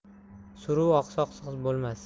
suruv oqsoqsiz bo'lmas